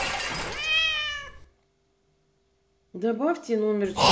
добавь номер четыре